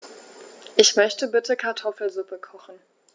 Ich möchte bitte Kartoffelsuppe kochen.